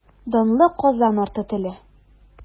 Данлы Казан арты теле.